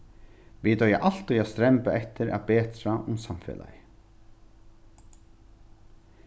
vit eiga altíð at stremba eftir at betra um samfelagið